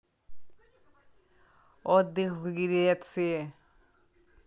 отдых в греции